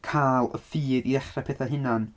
Cael y ffydd i ddechrau pethau hunan.